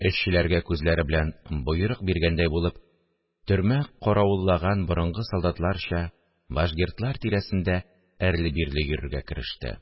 Эшчеләргә күзләре белән боерык биргәндәй булып, төрмә каравыллаган борынгы солдатларча, вашгердлар тирәсендә әрле-бирле йөрергә кереште